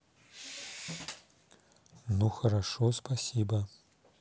ну хорошо спасибо